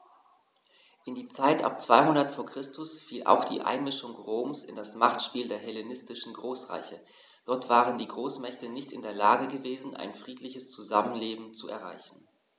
In die Zeit ab 200 v. Chr. fiel auch die Einmischung Roms in das Machtspiel der hellenistischen Großreiche: Dort waren die Großmächte nicht in der Lage gewesen, ein friedliches Zusammenleben zu erreichen.